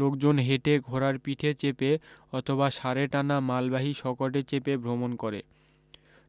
লোকজন হেঁটে ঘোড়ার পিঠে চেপে অথবা ষাঁড়ে টানা মালবাহী শকটে চেপে ভ্রমণ করে